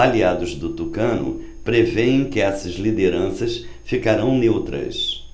aliados do tucano prevêem que essas lideranças ficarão neutras